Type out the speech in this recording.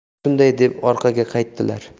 ular shunday deb orqaga qaytdilar